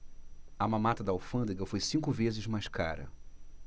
a mamata da alfândega foi cinco vezes mais cara